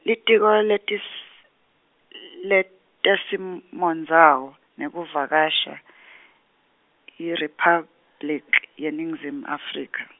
Litiko leTis- leTesimondzawo nekuVakasha , IRiphabliki yeNingizimu Afrika.